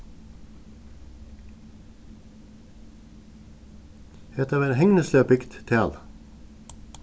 hetta var ein hegnisliga bygd tala